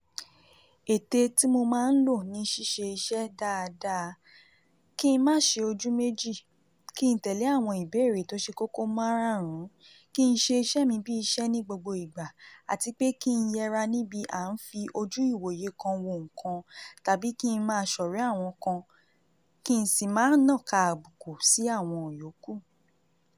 Ète tí mo máa ǹ lò ni ṣiṣẹ́ iṣẹ́ dáadáa: kí n má ṣe ojú méjì, kí n tẹ̀lé àwọn ìbéèrè tó ṣe kókó máráàrún, kí ṣe iṣẹ́ mi bíi iṣẹ ni gbogbo ìgbà, àti pé kí n yẹra níbi à ń fi ojú ìwoye kan wo nǹkan tàbí kí n ma ṣọrẹ̀ẹ́ àwọn kan kí n si máa nàka abúkù sí àwọn yóókù.